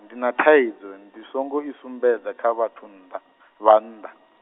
ndi na thaidzo, ndi songo i sumbedza kha vhathu nnḓa, vhannḓa.